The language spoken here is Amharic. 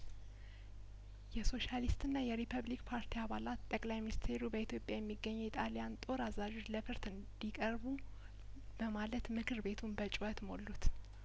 የሶሻሊስትና የሪፐብሊክ ፓርቲ አባላት ጠቅላይ ሚኒስቴሩ በኢትዮጵያ የሚገኙት የጣሊያን ጦር አዛዦች ለፍርድ እንዲቀርቡ በማለት ምክር ቤቱን በጩኸት ሞሉት